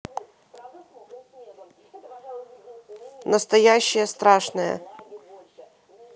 настоящее страшное